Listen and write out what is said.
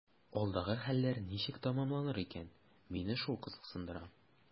Андагы хәлләр ничек тәмамланыр икән – мине шул кызыксындыра.